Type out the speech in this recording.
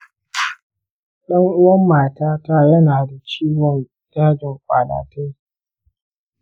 ɗan-uwan matata ya na da ciwon dajin ƙwalatai